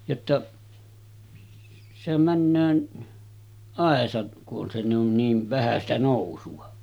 jotta sehän menee aisat kun on se on niin vähän sitä nousua